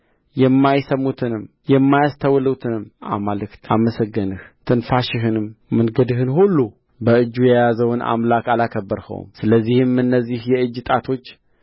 የማይሰሙትንም የማያስተውሉትንም አማልክት አመሰገንህ ትንፋሽህንና መንገድህን ሁሉ በእጁ የያዘውን አምላክ አላከበርኸውም ስለዚህም እነዚህ የእጅ ጣቶች